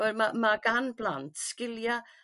Wel ma' ma' ma' gan blant sgilia